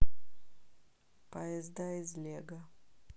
поезда из лего